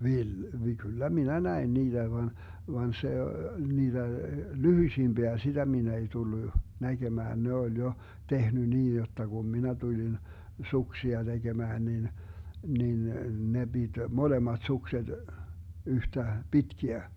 -- kyllä minä näin niitä vaan vaan se niitä lyhyisimpiä sitä minä ei tullut näkemään ne oli jo tehnyt niin jotta kun minä tulin suksia tekemään niin niin ne piti molemmat sukset yhtä pitkiä